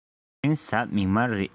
དེ རིང གཟའ མིག དམར རེད